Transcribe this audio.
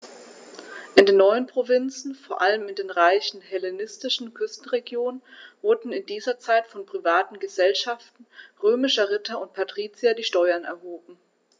In den neuen Provinzen, vor allem in den reichen hellenistischen Küstenregionen, wurden in dieser Zeit von privaten „Gesellschaften“ römischer Ritter und Patrizier die Steuern erhoben.